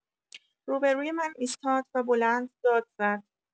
روبروی من ایستاد و بلند داد زد.